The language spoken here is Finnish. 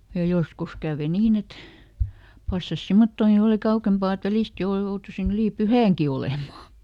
ja joskus kävi niin että passasi semmottoonkin oli - kauempaa että välistä - jouduin yli pyhänkin olemaan